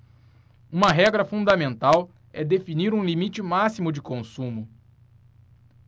uma regra fundamental é definir um limite máximo de consumo